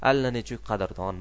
allanechuk qadrdon